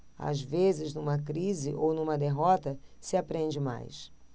às vezes numa crise ou numa derrota se aprende mais